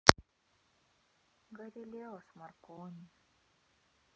галилео с маркони